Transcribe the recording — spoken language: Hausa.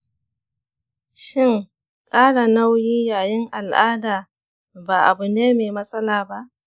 shin kara nauyi yayin al'ada ba abune mai matsala ba?